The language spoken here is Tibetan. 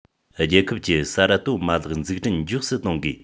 རྒྱལ ཁབ ཀྱི གསར གཏོད མ ལག འཛུགས སྐྲུན མགྱོགས སུ གཏོང དགོས